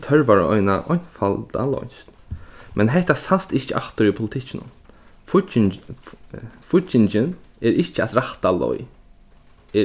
tørvar eina einfalda loysn men hetta sæst ikki aftur í politikkinum fíggingin er ikki at rætta leið